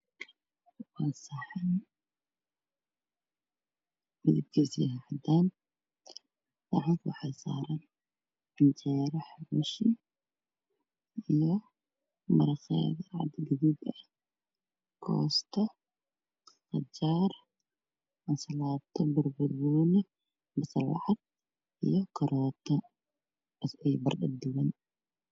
Waxaa ii muuqda miis ay saaran yihiin canjeero daafi ansalato koosto salar iyo qajaar iyo barando waxaa kaloo yaalo cabitaan ka